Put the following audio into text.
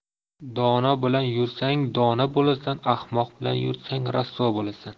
dono bilan yursang dono bo'lasan ahmoq bilan yursang rasvo bo'lasan